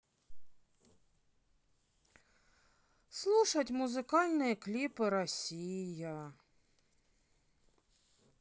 слушать музыкальные клипы россия